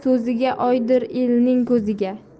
so'ziga oydir elning ko'ziga